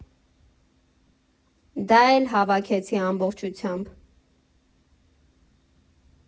Դա էլ հավաքեցի ամբողջությամբ։